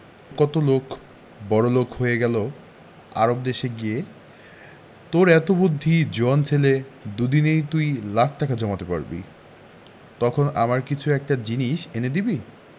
কত লোক বড়লোক হয়ে গেল আরব দেশে গিয়ে তোর এত বুদ্ধি জোয়ান ছেলে দুদিনেই তুই লাখ টাকা জমাতে পারবি তখন আমার কিছু একটা জিনিস এনে দিবি